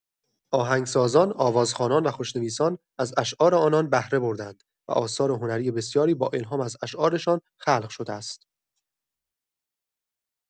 آهنگسازان، آوازخوانان و خوشنویسان از اشعار آنان بهره برده‌اند و آثار هنری بسیاری با الهام از اشعارشان خلق شده است.